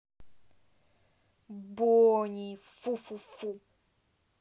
bonnie фуфу